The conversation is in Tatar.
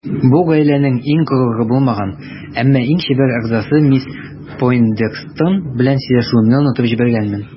Бу гаиләнең иң горуры булмаган, әмма иң чибәр әгъзасы мисс Пойндекстер белән сөйләшүемне онытып җибәргәнмен.